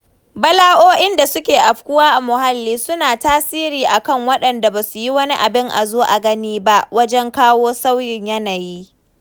Bala'o'in da suke afkuwa a muhalli suna tasiri a kan waɗanda ba su yi wani abin a zo a gani wajen kawo sauyin yanayi.